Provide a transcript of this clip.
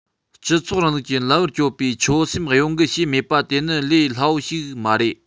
སྤྱི ཚོགས རིང ལུགས ཀྱི ལམ བུར སྐྱོད པའི ཆོད སེམས གཡོ འགུལ བྱས མེད པ དེ ནི ལས སླ པོ ཞིག མ རེད